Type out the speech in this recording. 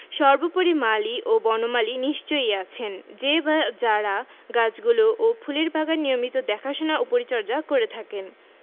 সর্বোপরি মালি ও বনমালী নিশ্চয়ই আছেন যে বা যারা গাছগুলো ও ফুলের বাগান নিয়মিত দেখাশোনা ও পরিচর্যা করে থাকেন